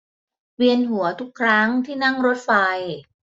เวียนหัวทุกครั้งที่นั่งรถไฟ